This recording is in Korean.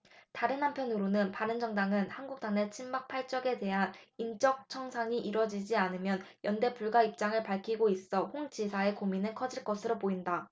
다른 한편으로는 바른정당은 한국당내 친박 팔 적에 대한 인적청산이 이뤄지지 않으면 연대 불가 입장을 밝히고 있어 홍 지사의 고민은 커질 것으로 보인다